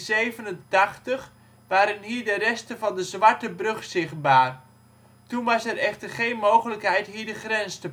1987 waren hier de resten van de Zwarte Brug zichtbaar. Toen was er echter geen mogelijkheid hier de grens te